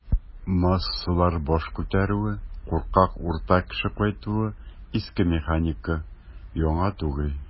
"массалар баш күтәрүе", куркак "урта кеше" кайтуы - иске механика, яңа түгел.